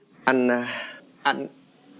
anh anh anh